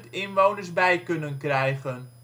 inwoners bij kunnen krijgen